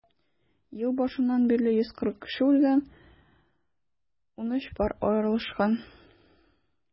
Ел башыннан бирле 140 кеше үлгән, 13 пар аерылышкан.